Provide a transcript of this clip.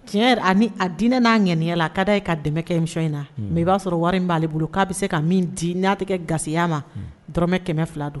Tiɲɛ a a diinɛ n'a ŋɛnya la ka da ye ka dɛmɛkɛ in na mɛ i b'a sɔrɔ wari in b'aale bolo k'a bɛ se ka min di n'a tɛ gaya ma dɔrɔmɛ kɛmɛ fila don